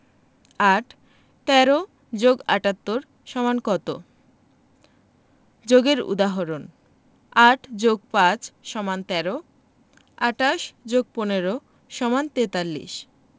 ৮ ১৩ + ৭৮ = কত যোগের উদাহরণ ৮ + ৫ = ১৩ ২৮ + ১৫ = ৪৩